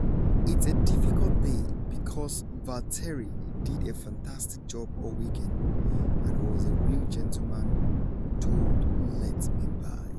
It's a difficult day because Valtteri did a fantastic job all weekend and was a real gentleman told let me by.